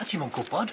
A ti'm yn gwbod.